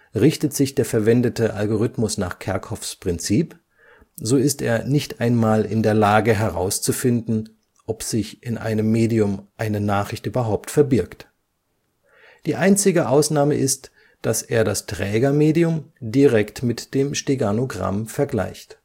Richtet sich der verwendete Algorithmus nach Kerckhoffs ' Prinzip, so ist er nicht einmal in der Lage herauszufinden, ob sich in einem Medium eine Nachricht verbirgt. Die einzige Ausnahme ist, dass er das Trägermedium direkt mit dem Steganogramm vergleicht